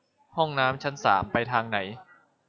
ห้องน้ำชั้นสามไปทางไหน